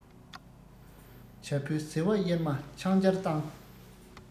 བྱ ཕོའི ཟེ བ གཡེར མ ཆང སྦྱར བཏང